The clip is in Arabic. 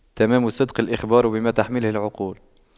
تمام الصدق الإخبار بما تحمله العقول